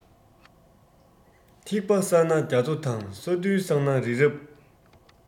ཐིགས པ བསགས ན རྒྱ མཚོ དང ས རྡུལ བསགས ན རི རབ